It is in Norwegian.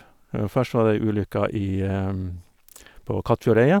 Først var det ei ulykke i på Kattfjordeidet.